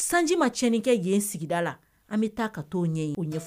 Sanji ma tiɲɛn kɛ yen sigida la an bɛ taa ka' ɲɛ o